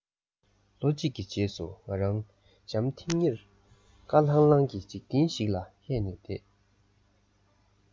ལོ གཅིག གི རྗེས སུ ང རང འཇམ ཐིང ངེར དཀར ལྷང ལྷང གི འཇིག རྟེན ཞིག ལ ཧད ནས བསྡད